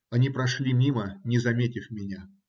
Они прошли мимо, не заметив меня.